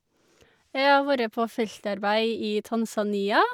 Jeg har vorre på feltarbeid i Tanzania.